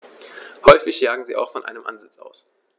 Häufig jagen sie auch von einem Ansitz aus.